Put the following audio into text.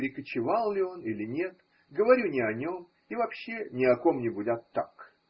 перекочевал ли он или нет, говорю не о нем и вообще не о ком-нибудь, а так.